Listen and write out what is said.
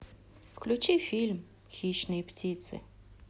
включи фильм хищные птицы